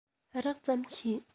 རགས ཙམ ཤེས